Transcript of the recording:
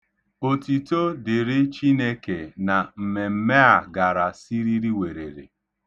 Otito dịrị Chineke na mmemme a gara siririwerere.